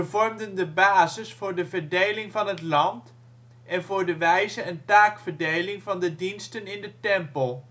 vormden de basis voor de verdeling van het land, en voor de wijze en taakverdeling van de diensten in de tempel